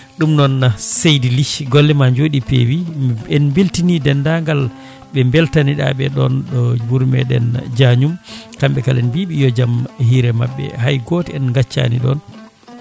ɗum noon seydi Ly golle ma jooɗi peewi en beltini dendagal ɓe beltaniɗa ɗon ɗo wuuro meɗen Diagnum kamɓe kala en mbiɓe yo jaam hiire mabɓe hay goto en gaccani ɗon